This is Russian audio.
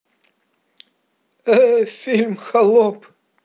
э фильм холоп